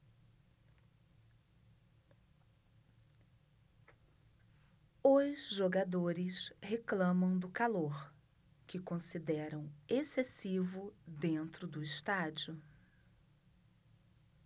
os jogadores reclamam do calor que consideram excessivo dentro do estádio